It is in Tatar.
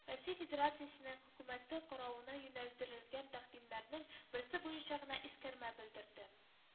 Россия Федерациясенең Хөкүмәте каравына юнәлдерелгән тәкъдимнәрнең берсе буенча гына искәрмә белдерде